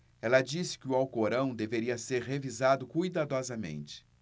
ela disse que o alcorão deveria ser revisado cuidadosamente